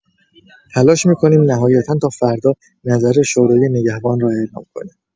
تلاش می‌کنیم نهایتا تا فردا نظر شورای نگهبان را اعلام کنیم.